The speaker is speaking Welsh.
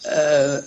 yy